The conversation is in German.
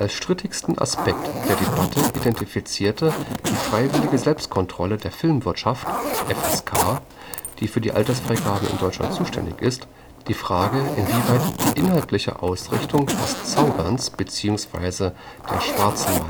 strittigsten Aspekt der Debatte identifizierte die Freiwillige Selbstkontrolle der Filmwirtschaft (FSK), die für die Altersfreigaben in Deutschland zuständig ist, die Frage, „ inwieweit die inhaltliche Ausrichtung des Zauberns bzw. der schwarzen